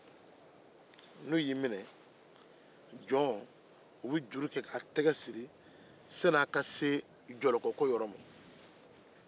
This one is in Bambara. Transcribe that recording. u bɛ jɔn tɛgɛ siri juru la sani a ka se jɔlɔkɔkoyɔrɔ ma